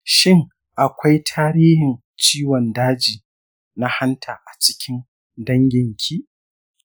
shin akwai tarihin ciwon daji na hanta a cikin danginki?